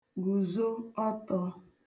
gùzo ọtọ̄